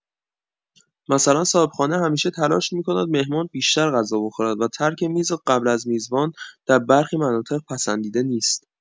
مثلا صاحب‌خانه همیشه تلاش می‌کند مهمان بیشتر غذا بخورد و ترک میز قبل از میزبان در برخی مناطق پسندیده نیست.